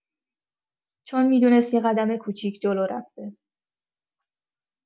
چون می‌دونست یه قدم کوچیک جلو رفته.